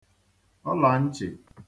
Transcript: ọlà nchị̀